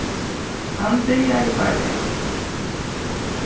hann byrjaði bardagan